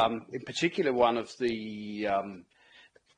Yym in particular one of the yym